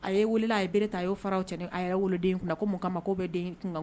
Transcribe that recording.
A ye weele a ye bere ta a y'o faraw cɛn a ye wolo den kunna na ko mɔgɔ ma ko bɛ den kun